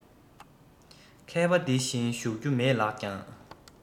མཁས པ འདི ཡིན ཞུ རྒྱུ མེད ལགས ཀྱང